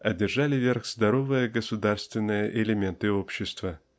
одержали верх здоровые государственные элементы общества.